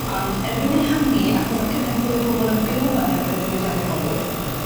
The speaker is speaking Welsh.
Ond er mwyn ehangu achos o' cymaint mwy o bobol yn byw 'ma oherwydd y diwydianne mowr. Ie.